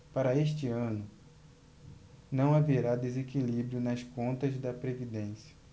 para este ano não haverá desequilíbrio nas contas da previdência